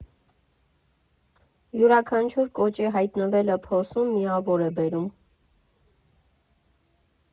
Յուրաքանչյուր կոճի հայտնվելը փոսում միավոր է բերում։